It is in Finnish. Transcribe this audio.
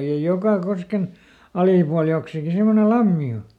ja joka kosken alipuolella joksikin semmoinen lampi on